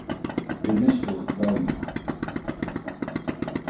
vit mistu vónina